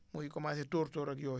muy commencé tóortóor ak yooyu